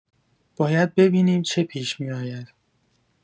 باید ببینیم چه پیش می‌آید.